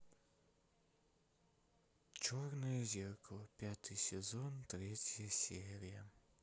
черное зеркало пятый сезон третья серия